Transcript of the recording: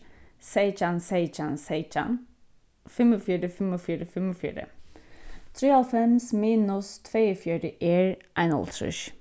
seytjan seytjan seytjan fimmogfjøruti fimmogfjøruti fimmogfjøruti trýoghálvfems minus tveyogfjøruti er einoghálvtrýss